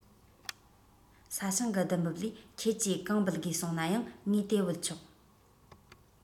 ས ཞིང གི བསྡུ འབབ ལས ཁྱེད ཀྱིས གང འབུལ དགོས གསུངས ན ཡང ངས དེ འབུལ ཆོག